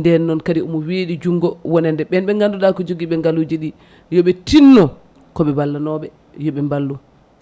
nden noon kadi omo weeɗi junggo wonande ɓen ɓe ganduɗa ko joguiɓe ngaaluji ɗi yooɓe tinno koɓe wallanoɓe yooɓe mballu